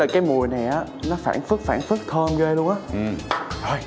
cái mùi này nó phảng phất phảng phất thơm ghê lun ớ